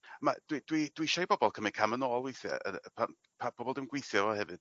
Ma' dwi dwi dwi isie i bobol cymry cam yn ôl weithi pa- pa- pobol dwi'n gwithio efo hefyd